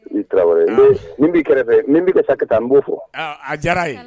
I tarawele min b'i kɛrɛfɛ min bɛ sa ka taa n b'o fɔ diyara yen